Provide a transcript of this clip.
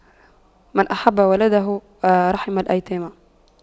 من أحب ولده رحم الأيتام